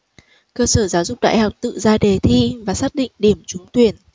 cơ sở giáo dục đại học tự ra đề thi và xác định điểm trúng tuyển